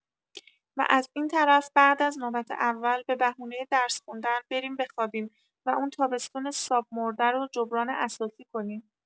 و از این‌طرف بعد از نوبت اول، به بهونه درس خوندن، بریم بخوابیم و اون تابستون صاب مرده رو جبران اساسی کنیم.